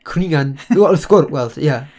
Cwningan, we- wel, wrth gwrs, ie.